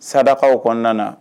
Sadakaw kɔnɔna